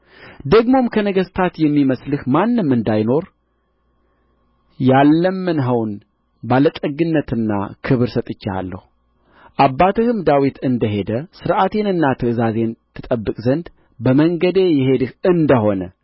ደግሞም ከነገሥታት የሚመስልህ ማንም እንዳይኖር ያልለመንኸውን ባለጠግነትና ክብር ሰጥቼሃለሁ አባትህም ዳዊት እንደ ሄደ ሥርዓቴንና ትእዛዜን ትጠብቅ ዘንድ በመንገዴ የሄድህ እንደ ሆነ